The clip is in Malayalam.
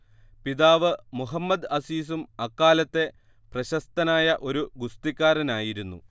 പിതാവ് മുഹമ്മദ് അസീസും അക്കാലത്തെ പ്രശസ്തനായ ഒരു ഗുസ്തിക്കാരനായിരുന്നു